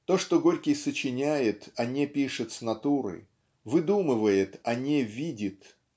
То, что Горький сочиняет, а не пишет с натуры, выдумывает, а не видит,